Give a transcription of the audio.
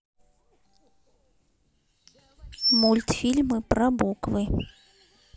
мультфильмы про буквы